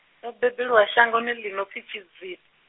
ndo bebelwa shangoni ḽiṋo pfi Tshidzi-.